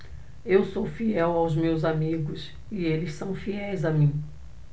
eu sou fiel aos meus amigos e eles são fiéis a mim